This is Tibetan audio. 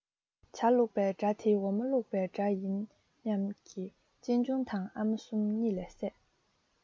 ཇ བླུག པའི སྒྲ དེ འོ མ བླུག པའི སྒྲ ཡིན ཉམས ཀྱིས གཅེན གཅུང དང ཨ མ གསུམ གཉིད ལས སད